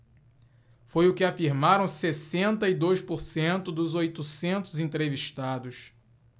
foi o que afirmaram sessenta e dois por cento dos oitocentos entrevistados